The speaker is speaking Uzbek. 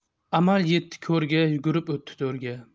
amal yetdi ko'rga yugurib o'tdi to'rga